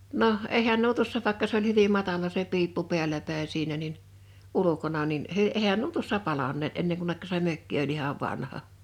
no eihän nuo tuossa vaikka se oli hyvin matala se piippu päällä päin siinä niin ulkona niin eihän nuo tuossa palaneet ennen kunne se mökki oli ihan vanha